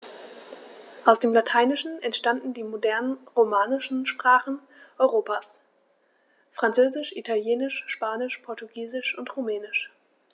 Aus dem Lateinischen entstanden die modernen „romanischen“ Sprachen Europas: Französisch, Italienisch, Spanisch, Portugiesisch und Rumänisch.